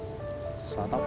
xõa tóc